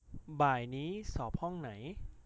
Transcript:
บ่ายนี้สอบห้องไหน